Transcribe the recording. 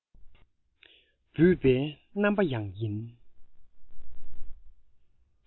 འབུས པའི རྣམ པ ཡང ཡིན